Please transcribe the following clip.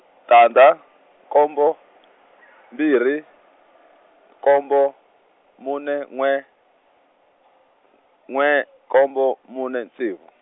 tandza, nkombo , mbirhi, nkombo, mune n'we, n'we nkombo mune ntsevu.